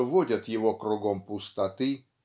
что водят его кругом пустоты